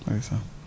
ndeysaan